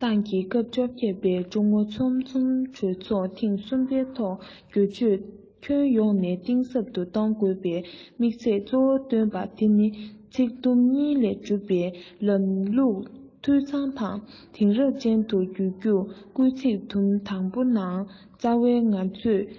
ཏང གི སྐབས བཅོ བརྒྱད པའི ཀྲུང ཨུ ཚང འཛོམས གྲོས ཚོགས ཐེངས གསུམ པའི ཐོག སྒྱུར བཅོས ཁྱོན ཡོངས ནས གཏིང ཟབ ཏུ གཏོང དགོས པའི དམིགས ཚད གཙོ བོ བཏོན པ དེ ནི ཚིག དུམ གཉིས ལས གྲུབ པའི ལམ ལུགས འཐུས ཚང དང དེང རབས ཅན དུ འགྱུར རྒྱུར སྐུལ ཚིག དུམ དང པོའི ནང རྩ བའི ང ཚོའི